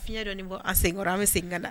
Fiɲɛ dɔɔni bɔ a senkɔrɔ an bɛ sengin ka na